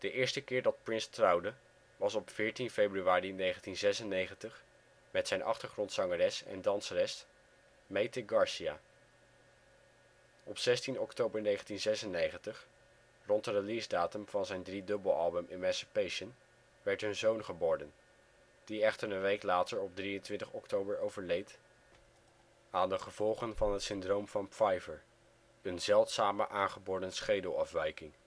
eerste keer dat Prince trouwde was op 14 februari 1996 met zijn achtergrondzangeres en danseres, Mayte Garcia. Op 16 oktober 1996, rond de releasedatum van zijn driedubbelalbum Emancipation, werd hun zoon geboren, die echter een week later op 23 oktober overleed aan de gevolgen van het Syndroom van Pfeiffer, een zeldzame aangeboren schedelafwijking